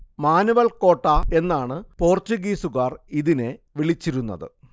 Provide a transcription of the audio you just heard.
manual കോട്ട എന്നാണ് പോർച്ചുഗീസുകാർ ഇതിനെ വിളിച്ചിരുന്നത്